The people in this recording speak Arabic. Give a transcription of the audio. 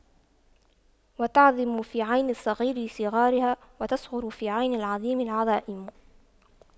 وتعظم في عين الصغير صغارها وتصغر في عين العظيم العظائم